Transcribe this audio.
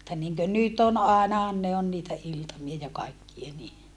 mutta niin kuin nyt on ainahan ne on niitä iltamia ja kaikkia niin